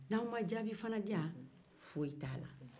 ni aw ma jaabi fana di yan foyi tɛ a la